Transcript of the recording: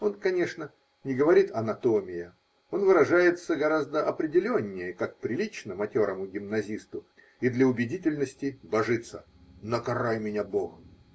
Он, конечно, не говорит, "анатомия" -- он выражается гораздо определеннее, как прилично матерому гимназисту, и для убедительности божится: "Накарай меня Бог!".